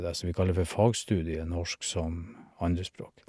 Det som vi kaller for fagstudiet norsk som andrespråk.